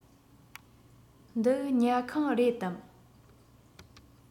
འདི ཉལ ཁང རེད དམ